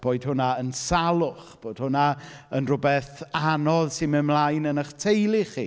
Boed hwnna yn salwch, boed hwnna yn rywbeth anodd sy'n mynd ymlaen yn eich teulu chi.